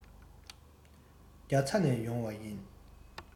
རྒྱ ཚ ནས ཡོང བ ཡིན